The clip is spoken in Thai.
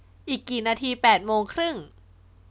อีกกี่นาทีแปดโมงครึ่ง